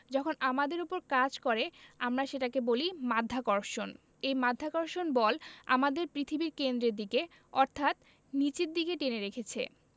যখন আমাদের ওপর কাজ করে আমরা সেটাকে বলি মাধ্যাকর্ষণ এই মাধ্যাকর্ষণ বল আমাদের পৃথিবীর কেন্দ্রের দিকে অর্থাৎ নিচের দিকে টেনে রেখেছে